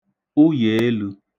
ụyèelū